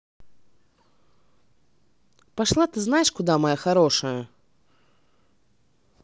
пошла ты знаешь куда моя хорошая